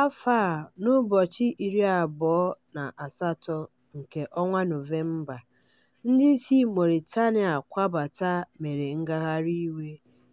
Afọ a n'ụbọchị 28 nke Nọvemba, ndị si Mauritania kwabata mere ngagharị iwe